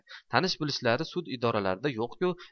tanish bilishlari sud idoralarida yo'q ku